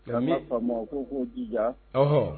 Sami fa ko ko dija